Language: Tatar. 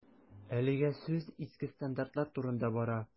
Әлегә сүз иске стандартлар турында бара.